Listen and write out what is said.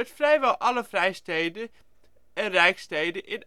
vrijwel alle vrijsteden en Rijkssteden in